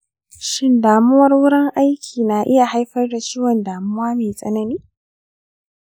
shin damuwar wurin aiki na iya haifar da ciwon damuwa mai tsanani?